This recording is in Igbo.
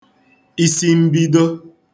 isimbido